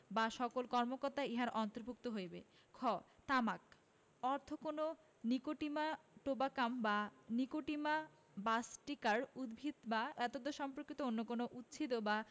বা সকল কর্মকর্তাও ইহার অন্তর্ভুক্ত হইবে খ তামাক অর্থ কোন নিকোটিমা টোবাকাম বা নিকোটিমা বাসটিকার উদ্ভিদ বা এতদ্সম্পর্কিত অন্য কোন উদ্ছিদ বা